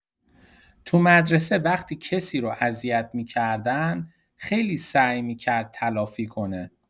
تو مدرسه وقتی کسی رو اذیت می‌کردن، خیلی سعی می‌کرد تلافی کنه.